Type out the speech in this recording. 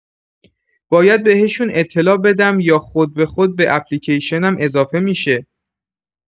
باید بهشون اطلاع بدم یا خود به خود به اپلیکیشنم اضافه می‌شه؟!